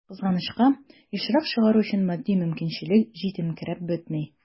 Кызганычка, ешрак чыгару өчен матди мөмкинчелек җитенкерәп бетми.